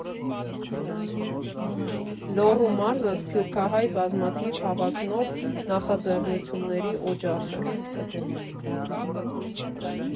Լոռու մարզը սփյուռքահայ բազմաթիվ հավակնոտ նախաձեռնությունների օջախ է։